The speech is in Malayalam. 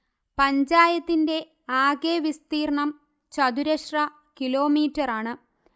പഞ്ചായത്തിന്റെ ആകെ വിസ്തീർണം ചതുരശ്ര കിലോമീറ്ററാണ്